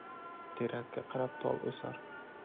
terakka qarab tol o'sar